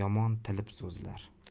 yomon tilib so'zlar